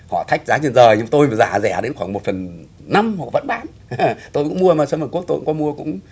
họ thách giá trên giời chúng tôi phải giá rẻ đến khoảng một phần năm họ cũng vẫn bán tôi cũng mua mà sâm hàn quốc tôi cũng có mua cũng